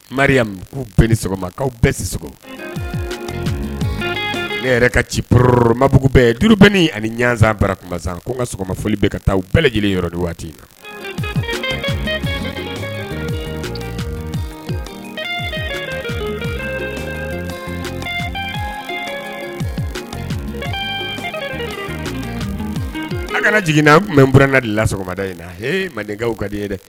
Maria'u bɛ ni sɔgɔmakaw bɛɛ si ne yɛrɛ ka ci porooromabugu bɛɛ duuru bɛnen ani ɲsan bara ko n ka sɔgɔmaoli bɛ ka taa u bɛɛ lajɛlen yɔrɔ don waati in na an kana jiginna tun bɛ n b ka di la sɔgɔmada in na mandekaw ka di dɛ